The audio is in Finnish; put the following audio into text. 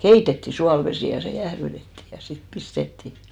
keitettiin suolavesi ja se jäähdytettiin ja sitten pistettiin